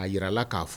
A jira la k'a fɔ